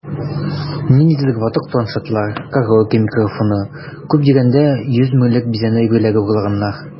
Ниндидер ватык планшетлар, караоке микрофоны(!), күп дигәндә 100 меңлек бизәнү әйберләре урлаганнар...